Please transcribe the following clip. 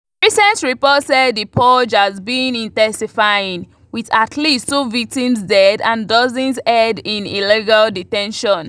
Recent reports said the purge has been intensifying, with at least two victims dead and dozens held in illegal detention.